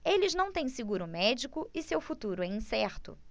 eles não têm seguro médico e seu futuro é incerto